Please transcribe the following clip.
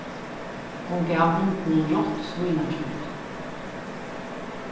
hon gav hundinum rátt svínakjøt